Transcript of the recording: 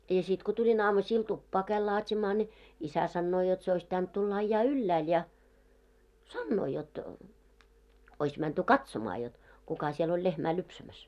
ja sitten kun tulin aamusilla tupaan kävin laatimaan niin isä sanoo jotta se olisi pitänyt tulla ajaa ylhäälle ja sanoo jotta olisi menty katsomaan jotta kuka siellä oli lehmää lypsämässä